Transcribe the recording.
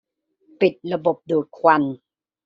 ปิดระบบดูดควัน